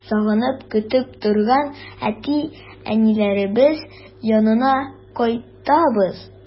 Сагынып көтеп торган әти-әниләребез янына кайтабыз.